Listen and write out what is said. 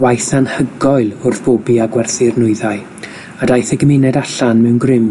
waith anhygoel wrth bobi a gwerthu'r nwyddau, a daeth y gymuned allan mewn grym